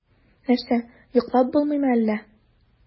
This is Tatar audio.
Нәрсә, йоклап булмыймы әллә?